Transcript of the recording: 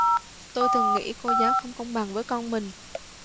tôi từng nghĩ cô giáo không công bằng với con mình